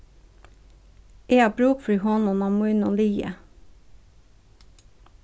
eg havi brúk fyri honum á mínum liði